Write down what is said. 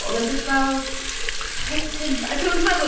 Oedd e just fel plentyn... timod be fi’n feddwl?